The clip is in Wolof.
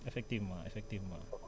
effectivement effectivement